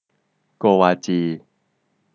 โกวาจี